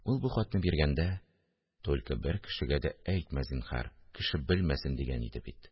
Ул, бу хатны биргәндә: «Түлке бер кешегә дә әйтмә, зинһар, кеше белмәсен», – дигән иде бит